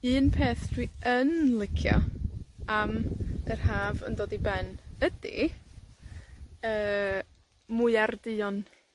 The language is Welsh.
un peth dwi yn licio am yr Haf yn dod i ben, ydi, yy, mwyar duon